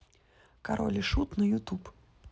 король и шут на ютуб